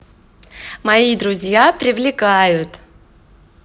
мои друзья привлекают